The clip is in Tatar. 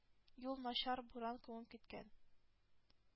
Юл начар. Буран күмеп киткән.